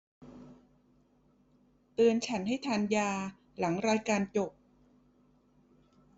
เตือนฉันให้ทานยาหลังรายการจบ